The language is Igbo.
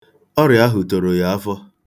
Ọrịa ahụ toro ya afọ.